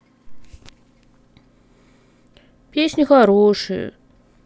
песни хорошие